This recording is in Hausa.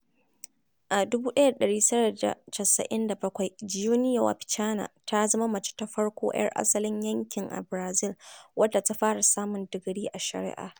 A 1997, Joenia Wapichana ta zama mace ta farko 'yar asalin yankin a Barazil wadda ta fara samun digiri a Shari'a.